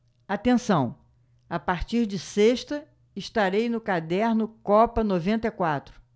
atenção a partir de sexta estarei no caderno copa noventa e quatro